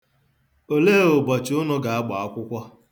Olee ụbọchị unu ga-agba akwụkwọ?